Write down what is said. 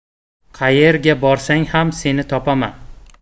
qaerga borsang ham seni topaman